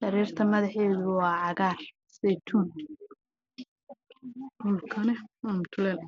midadkeedu yahay cagaar